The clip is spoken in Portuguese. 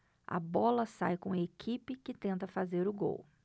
a bola sai com a equipe que tenta fazer o gol